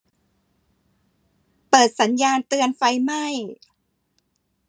เปิดสัญญาณเตือนไฟไหม้